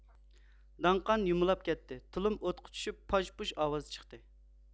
داڭقان يۇمۇلاپ كەتتى تۇلۇم ئوتقا چۈشۈپ پاژ پۇژ ئاۋاز چىقتى